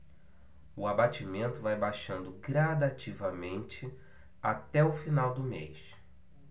o abatimento vai baixando gradativamente até o final do mês